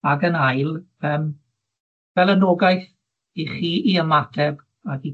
ag yn ail yym fel anogaeth i chi i ymateb ag i